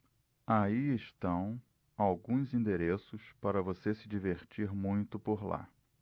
aí estão alguns endereços para você se divertir muito por lá